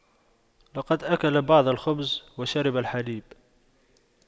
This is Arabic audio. لقد أكل بعض الخبز وشرب الحليب